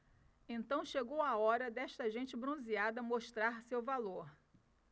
então chegou a hora desta gente bronzeada mostrar seu valor